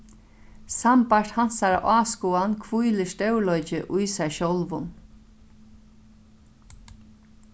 sambært hansara áskoðan hvílir stórleiki í sær sjálvum